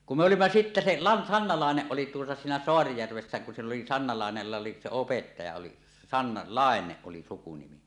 kun me olimme sitten -- Sanna Laine oli tuota siinä Saarijärvessä kun sillä oli Sanna Laineella se opettaja oli Sanna Laine oli sukunimi